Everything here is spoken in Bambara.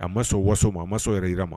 A ma sɔn waso ma . A ma sɔn yɛrɛ yira ma